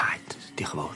dioch yn fowr.